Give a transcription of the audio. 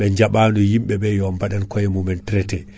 ɓe jaaɓano yimɓeɓe yo baɗan koye mumen trité